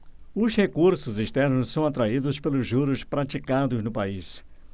os recursos externos são atraídos pelos juros praticados no país